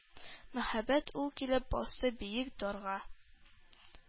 Мәһабәт ул килеп басты биек «дар»га.